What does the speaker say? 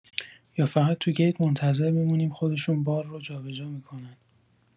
یا فقط تو گیت منتظر می‌مونیم خودشون بار رو جابجا می‌کنن؟